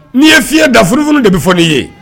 N'i ye f'i dafurufunu de bɛ fɔ n'i ye